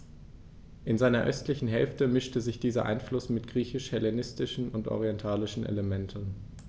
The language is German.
In seiner östlichen Hälfte mischte sich dieser Einfluss mit griechisch-hellenistischen und orientalischen Elementen.